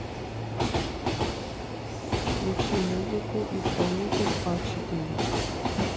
включи музыку исполнитель а четыре